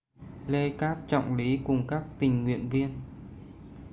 lê cát trọng lý cùng các tình nguyện viên